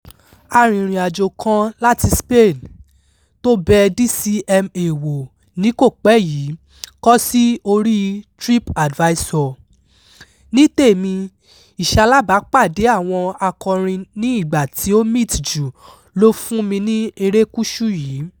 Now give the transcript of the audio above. Arìnrìn-àjò kan láti Spain, tó bẹ DCMA wò ní kò pẹ́ yìí, kọ sí oríi TripAdvisor: "Ní tèmi, ìṣalábàápàdée àwọn akọrin ni ìgbà tí ó meet jù lọ fún mi ní erékùṣù yìí".